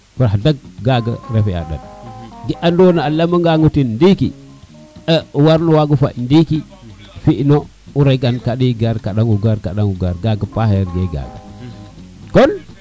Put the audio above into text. wax deg gaga refe a ɗat ke ga oxa a lama ngano ten ɗiki o war no wago waƴ ndiki fi ino o regan kaɗi gar kanaŋo gar kanaŋo gar kaga paxeer jega ta kon